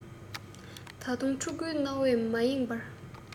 ད དུང ཕྲུ གུའི སྣང བས མ རེངས པར